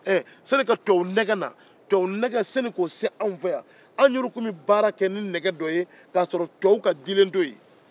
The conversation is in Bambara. yanni ka tubabu nɛgɛ na tubabu nɛgɛ yanni k'o se anw fɛ yan anw yɛrɛw tun bɛ baara kɛ ni nɛgɛ dɔ ye ka sɔrɔ tubabu ka dilen tɛ o ye